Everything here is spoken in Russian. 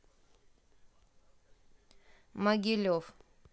могилев